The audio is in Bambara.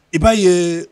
I b'a ye